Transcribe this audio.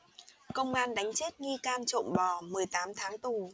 công an đánh chết nghi can trộm bò mười tám tháng tù